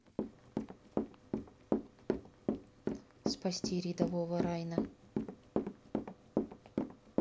спасти рядового райна